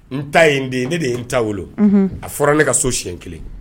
N ta ye n den ye ne de ye n' wolo a fɔra ne ka so siyɛn kelen